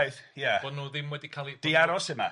Ie. Bo' nhw ddim wedi cael eu... 'di aros yma,